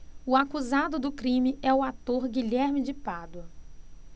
o acusado do crime é o ator guilherme de pádua